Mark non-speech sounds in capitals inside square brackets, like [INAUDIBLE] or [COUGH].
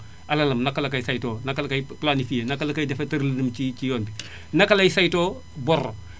alalam naka la koy saytoo naka la koy planifié naka la koy defee tëralinam ci ci ci yoon [NOISE] naka lay saytoo bor